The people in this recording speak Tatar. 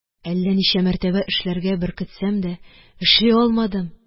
Әллә ничә мәртәбә эшләргә беркетсәм дә эшли алмадым